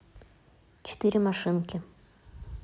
четыре машинки